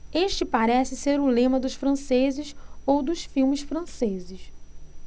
este parece ser o lema dos franceses ou dos filmes franceses